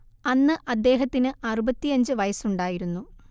അന്ന് അദ്ദേഹത്തിന് അറുപത്തിയഞ്ച് വയസ്സുണ്ടായിരുന്നു